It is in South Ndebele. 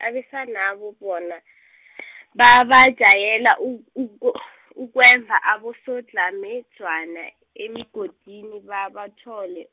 abesanabo bona , babajayele u- uk- ukwemba abosodlhamedzwana emigodini babathole.